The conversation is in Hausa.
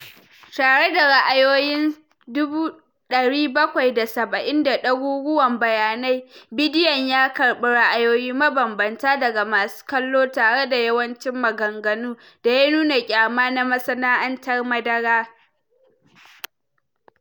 Tare da ra'ayoyin 77,000 da daruruwan bayanai, bidiyon ya karbi ra’ayoyi mabanbanta daga masu kallo, tare da yawancin maganganun da ya nuna "ƙyama" na masana'antar madara.